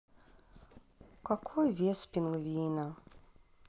какой вес пингвина